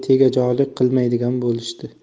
tegajog'lik qilmaydigan bo'lishdi